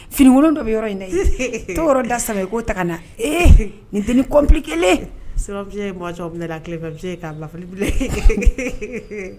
Finikolon dɔ bɛ yɔrɔ in yɔrɔ da saba'o ta na nineni kɔnp kelen mɔgɔ bɛ na fɛn kaa lafili bilen